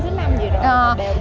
năm gì rồi đều